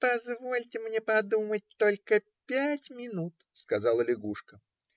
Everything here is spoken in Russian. - Позвольте мне подумать только пять минут, сказала лягушка,